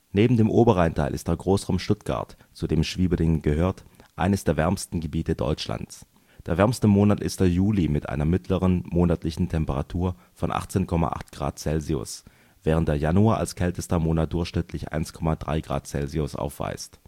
Neben dem Oberrheintal ist der Großraum Stuttgart - zu dem Schwieberdingen gehört - eines der wärmsten Gebiete Deutschlands. Der wärmste Monat ist der Juli mit einer mittleren monatlichen Temperatur von 18,8 Grad Celsius, während der Januar als kältester Monat durchschnittlich 1,3 Grad Celsius aufweist